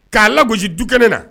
K'a lagosi dukɛnɛ na